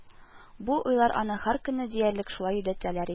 Бу уйлар аны һәр көнне диярлек шулай йөдәтәләр иде